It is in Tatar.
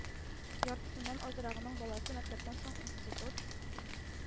Яртысыннан азрагының баласы мәктәптән соң институт,